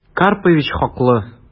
Карпович хаклы...